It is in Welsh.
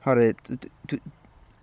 Oherwydd d- dw- dw-